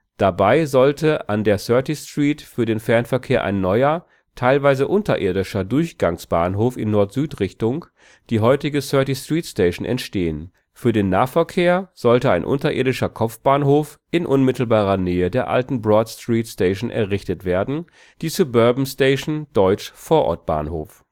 Dabei sollte an der 30th Street für den Fernverkehr ein neuer, teilweise unterirdischer Durchgangsbahnhof in Nord-Süd-Richtung, die heutige 30th Street Station, entstehen. Für den Nahverkehr sollte ein unterirdischer Kopfbahnhof in unmittelbarer Nähe der alten Broad Street Station errichtet werden, die Suburban Station (deutsch: „ Vorortbahnhof